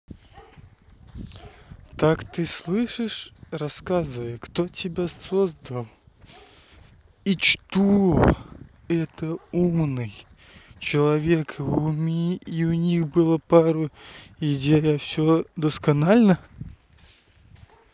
так ты слышишь рассказывай кто тебя создал и не что это умный человек и у них было пару идей а все досконально